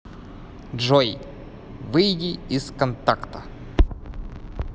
джой выйди из контакта